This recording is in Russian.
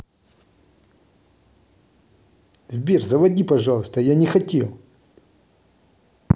сбер заводи пожалуйста я не хотел